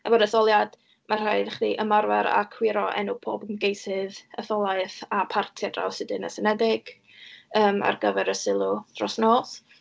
Efo'r etholiad, ma' rhaid i chdi ymarfer a cywiro enw pob ymgeisydd, etholaeth a parti ar draws y Deyrnas Unedig, yym, ar gyfer y sylw dros nos.